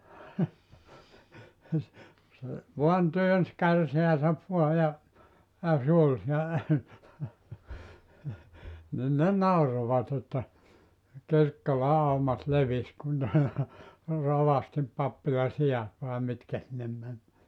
se vain työnsi kärsänsä vain ja ja se oli siellä niin ne nauroivat että Kirkkolan aumat levisi kun ne rovastin pappilan siat vai mitkä sinne meni